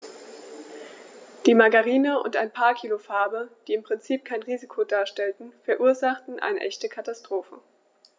Die Margarine und ein paar Kilo Farbe, die im Prinzip kein Risiko darstellten, verursachten eine echte Katastrophe.